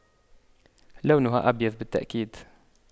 لونه أبيض بالتأكيد